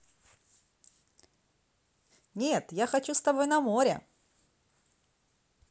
нет я хочу с тобой на море